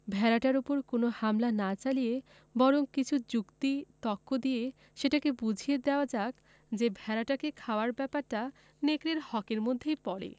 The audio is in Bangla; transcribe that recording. ভেড়াটার উপর কোন হামলা না চালিয়ে বরং কিছু যুক্তি তক্ক দিয়ে সেটাকে বুঝিয়ে দেওয়া যাক যে ভেড়াটাকে খাওয়ার ব্যাপারটা নেকড়ের হক এর মধ্যেই পড়ে